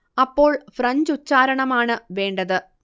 അപ്പോൾ ഫ്രഞ്ചുച്ചാരണമാണ് വേണ്ടത്